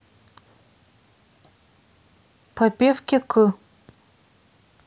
попевки к